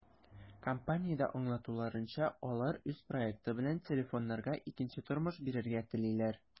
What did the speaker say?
Компаниядә аңлатуларынча, алар үз проекты белән телефоннарга икенче тормыш бирергә телиләр.